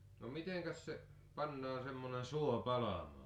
no mitenkäs se pannaan semmoinen suo palamaan